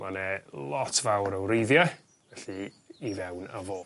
Ma' ne lot fawr o wreiddie felly i fewn â fo.